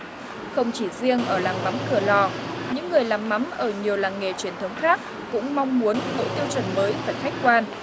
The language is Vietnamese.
không chỉ diêng ở làng mắm cửa lò những người làm mắm ở nhiều làng nghề truyền thống khác cũng mong muốn bộ tiêu chuẩn mới phải khách quan